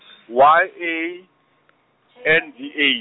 Y A , N D A.